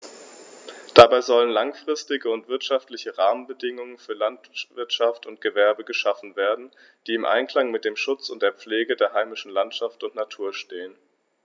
Dabei sollen langfristige und wirtschaftliche Rahmenbedingungen für Landwirtschaft und Gewerbe geschaffen werden, die im Einklang mit dem Schutz und der Pflege der heimischen Landschaft und Natur stehen.